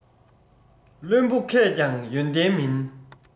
བླུན པོ མཁས ཀྱང ཡོན ཏན མིན